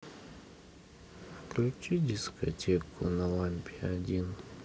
включи дискотеку на лампе один